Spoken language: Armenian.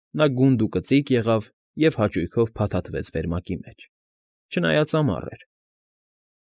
Նա գունդուկծիկ եղավ և հաճույքով փաթաթվեց վերմակի մեջ, չնայած ամառ էր։